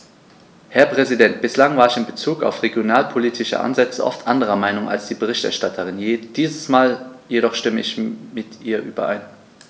Herr Präsident, bislang war ich in Bezug auf regionalpolitische Ansätze oft anderer Meinung als die Berichterstatterin, diesmal jedoch stimme ich mit ihr überein.